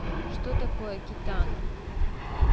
что такое китана